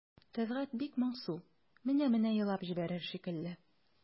Тәлгать бик моңсу, менә-менә елап җибәрер шикелле.